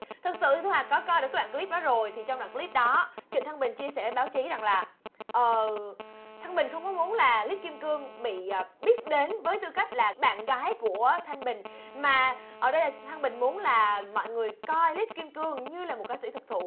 thực sự thì thu hà có coi được cái đoạn cờ líp đó rồi thì trong đoạn cờ líp đó trịnh thăng bình chia sẻ với báo chí rằng là ờ thăng bình không có muốn là lít kim cương bị biết đến với tư cách là bạn gái của thăng bình mà ở đây trịnh thăng bình muốn là mọi người coi lít kim cương như là một ca sĩ thực thụ